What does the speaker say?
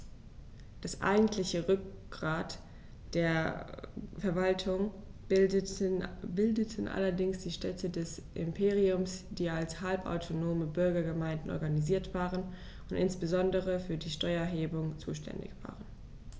Das eigentliche Rückgrat der Verwaltung bildeten allerdings die Städte des Imperiums, die als halbautonome Bürgergemeinden organisiert waren und insbesondere für die Steuererhebung zuständig waren.